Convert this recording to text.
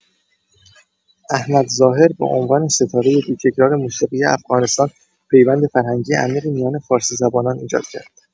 احمد ظاهر به عنوان ستاره بی‌تکرار موسیقی افغانستان، پیوند فرهنگی عمیقی میان فارسی‌زبانان ایجاد کرد.